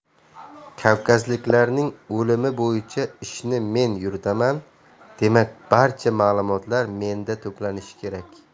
kavkazliklarning o'limi bo'yicha ishni men yuritaman demak barcha ma'lumotlar menda to'planishi kerak